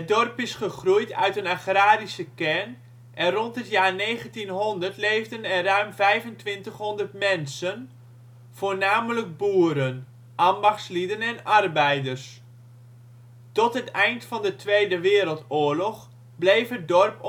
dorp is gegroeid uit een agrarische kern en rond het jaar 1900 leefden er ruim 2.500 mensen, voornamelijk boeren, ambachtslieden en arbeiders. Tot het eind van de Tweede Wereldoorlog bleef het dorp